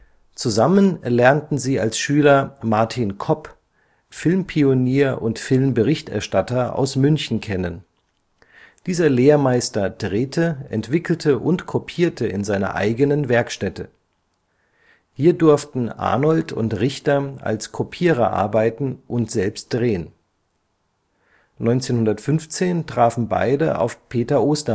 Zusammen lernten sie als Schüler Martin Kopp, Filmpionier und - berichterstatter aus München, kennen. Dieser Lehrmeister drehte, entwickelte und kopierte in seiner eigenen Werkstätte. Hier durften Arnold und Richter als Kopierer arbeiten und selbst drehen. 1915 trafen beide auf Peter Ostermayer